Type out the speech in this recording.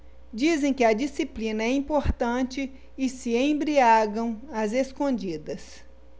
dizem que a disciplina é importante e se embriagam às escondidas